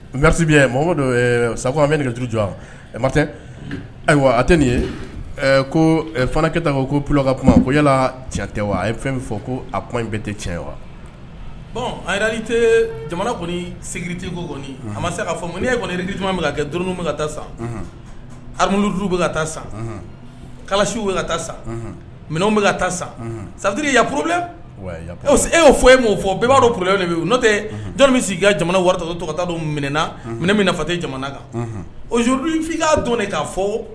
Garisibi sa an bɛ jɔ ma tɛ ayiwa a tɛ nin ye ko fanakɛta ko ko pl ka kuma ko yala tiɲɛ tɛ wa a ye fɛn fɔ ko a kɔn in bɛɛ tɛ tiɲɛ wa bɔn jamana kɔni sti ko kɔni a ma se k' fɔ n' ye kɔnidija min ka kɛ drun bɛ ka taa san alimuuru bɛ ka taa sa kalasiw bɛ ka taa sa minɛnw bɛ ka taa sa sari ya porobi e y' fɔ e ma o fɔ bɛɛbadɔ porobiy de bi n'o tɛ dɔnni bɛ sigi ka jamana waratɔ tɔgɔ taa don minɛna minɛ min nafa fa tɛ jamana kan ozourufin' don ka fɔ